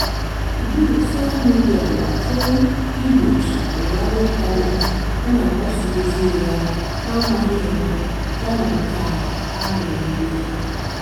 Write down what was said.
Bịịlụ soshaa midịa na-achọ igbochi ụgha n'ịntaneetị yana mgbasa ozi ụgha n'amaghị ụma yana nke a ma ụma mee.